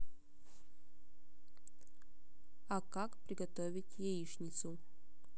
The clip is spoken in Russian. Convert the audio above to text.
а как приготовить яичницу